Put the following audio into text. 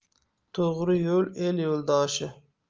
to'g'ri yo'l el yo'ldoshi